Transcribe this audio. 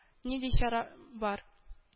Нинди чарам бар